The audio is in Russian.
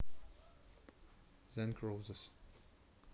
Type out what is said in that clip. thank роузес